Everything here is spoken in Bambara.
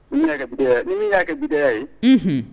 Ni y'akɛya yehun